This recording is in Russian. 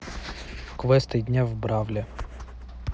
квесты дня в бравле